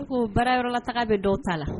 N ko baarayɔrɔla taga bɛ dɔ ta la